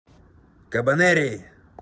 кабанери